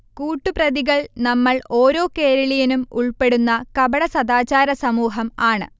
കൂട്ടു പ്രതികൾ നമ്മൾ, ഓരോ കേരളീയനും ഉൾപ്പെടുന്ന കപടസദാചാരസമൂഹം ആണ്